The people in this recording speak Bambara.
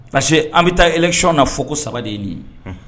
Parce que an bɛ taa ekiy na fɔ ko saba de ye nin ye